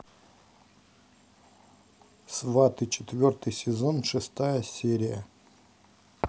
сваты четвертый сезон шестая серия